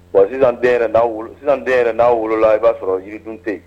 Wa sisan n' sisan n'aaw wolola i b'a sɔrɔ yiri dunte yen